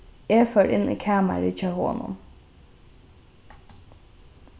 eg fór inn í kamarið hjá honum